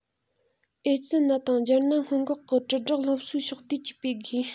ཨེ ཙི ནད དང སྦྱར ནད སྔོན འགོག གི དྲིལ བསྒྲགས སློབ གསོ ཕྱོགས བསྡུས ཀྱིས སྤེལ དགོས